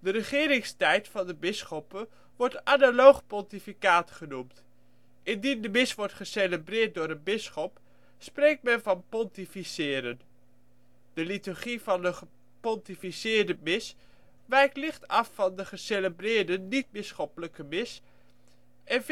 regeringstijd van de bisschoppen wordt analoog pontificaat genoemd. Indien de mis wordt gecelebreerd door een bisschop, spreekt men van pontificeren. De liturgie van een gepontificeerde mis wijkt licht af van de gecelebreerde niet-bisschoppelijke mis en